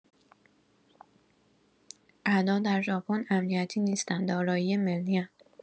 اعداد در ژاپن امنیتی نیستند؛ دارایی ملی‌اند.